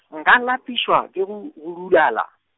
nka lapišwa ke go, budulala.